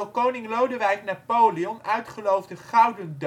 koning Lodewijk Napoleon uitgeloofde gouden